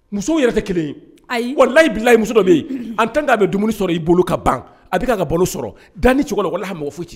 Musow yɛrɛ tɛ kelen ayi wala layi bila muso dɔ bɛ an tan k' don dumuni sɔrɔ i bolo ka ban a bɛ balo sɔrɔ dan ni cogo la wala' ma mako fɔ ci